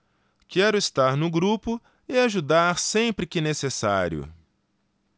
quero estar no grupo e ajudar sempre que necessário